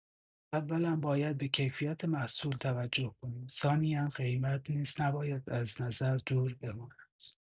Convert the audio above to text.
اولا باید به کیفیت محصول توجه کنیم، ثانیا قیمت نیز نباید از نظر دور بماند.